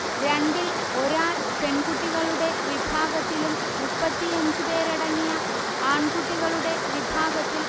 രണ്ടിൽ ഒരാൾ പെണ്കുട്ടികളുടെ വിഭാഗത്തിലും മുപ്പത്തിയഞ്ച് പേരടങ്ങിയ ആണ്കുട്ടികളുടെ വിഭാഗത്തിൽ